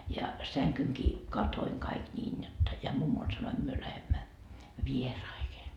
ja sängynkin katoin kaikki niin jotta ja mummolle sanoin me lähdemme vieraisiin